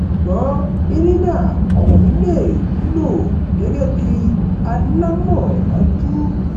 Ṣùgbọ́n Irina kò ní le è wúlò gẹ́gẹ́ bí alámọ̀dájú.